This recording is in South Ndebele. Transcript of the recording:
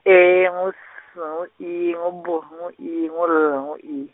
E, ngu S, ngu I, ngu B, ngu I, ngu L, ngu I.